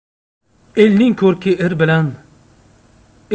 elning ko'rki er bilan